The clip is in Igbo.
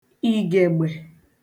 ìgègbè